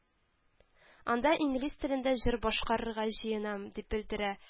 Анда инглиз телендә җыр башкарырга җыенам”, – дип белдерә